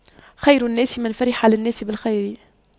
خير الناس من فرح للناس بالخير